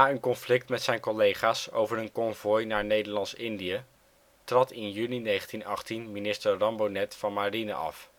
een conflict met zijn collega 's over een konvooi naar Nederlands-Indië trad in juni 1918 minister Rambonnet van Marine af